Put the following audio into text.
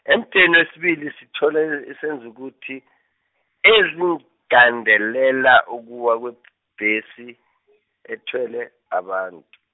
emudeni wesibili sithola izenzukuthi, ezigandelela ukuwa kwebhesi , ethwele, abantu.